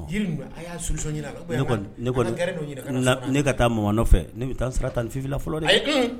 Ne ne ka taa mɔgɔ nɔfɛ ne bɛ taa tan nifila fɔlɔ la